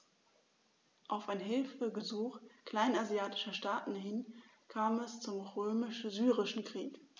Auf ein Hilfegesuch kleinasiatischer Staaten hin kam es zum Römisch-Syrischen Krieg.